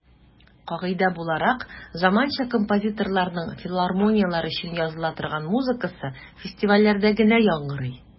Кагыйдә буларак, заманча композиторларның филармонияләр өчен языла торган музыкасы фестивальләрдә генә яңгырый.